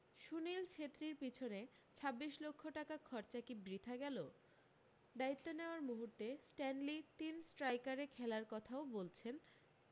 সুনীল ছেত্রীর পেছনে ছাব্বিশ লক্ষ টাকা খরচা কী বৃথা গেল দায়িত্ব নেওয়ার মূহুর্তে স্ট্যানলি তিন স্ট্রাইকারে খেলার কথাও বলেছেন